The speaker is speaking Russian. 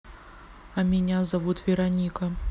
а меня зовут вероника